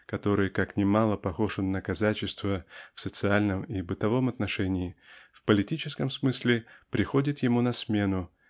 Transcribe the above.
который -- как ни мало похож он на казачество в социальном и бытовом отношении -- в политическом смысле приходит ему на смену